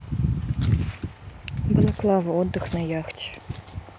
балаклава отдых на яхте